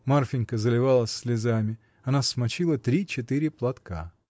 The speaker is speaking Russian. Марфинька заливалась слезами: она смочила три-четыре платка.